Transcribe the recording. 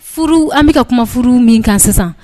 An bɛka ka kuma furu min kan sisan